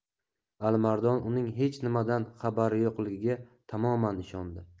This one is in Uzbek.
alimardon uning hech nimadan xabari yo'qligiga tamoman ishondi